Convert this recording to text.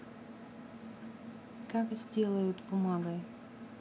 как сделают бумагой